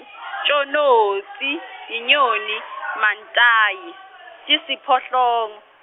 Tjonodze yinyoni, Mantayi, Tisiphohlongo.